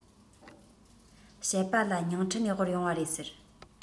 བཤད པ ལ ཉིང ཁྲི ནས དབོར ཡོང བ རེད ཟེར